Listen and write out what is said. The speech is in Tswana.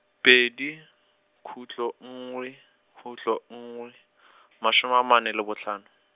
pedi, khutlo nngwe, khutlo nngwe , masome amane le botlhano.